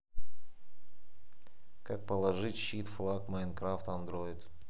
как положить щит флаг minecraft android